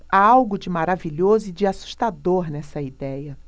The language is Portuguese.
há algo de maravilhoso e de assustador nessa idéia